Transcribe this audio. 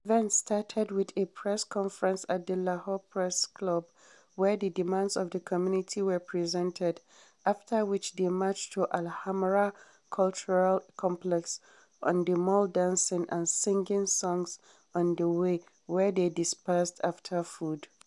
The event started with a Press Conference at the Lahore Press Club where the demands of the community were presented; after which they marched to Al Hamra Cultural Complex on the Mall dancing and singing songs on the way, where they dispersed after food.